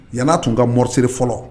Yalaana tun ka morisiri fɔlɔ